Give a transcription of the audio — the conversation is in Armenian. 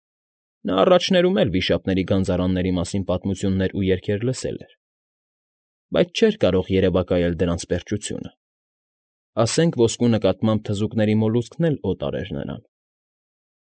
Նա առաջներում էլ վիշապների գանձարանների մասին պատմություններ ու երգեր լսել էր, բայց չէր կարող երևակայել դրանց պերճությունը, ասենք ոսկու նկատմամբ թզուկների մոլուցքն էլ օտար էր նրան։